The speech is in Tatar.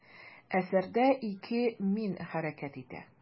Әсәрдә ике «мин» хәрәкәт итә.